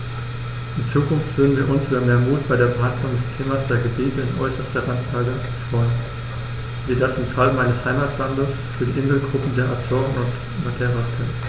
In Zukunft würden wir uns über mehr Mut bei der Behandlung des Themas der Gebiete in äußerster Randlage freuen, wie das im Fall meines Heimatlandes für die Inselgruppen der Azoren und Madeiras gilt.